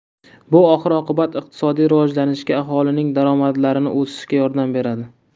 bu oxir oqibat iqtisodiy rivojlanishga aholining daromadlarini o'sishiga yordam beradi